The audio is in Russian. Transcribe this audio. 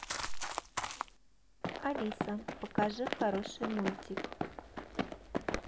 алиса покажи хороший мультик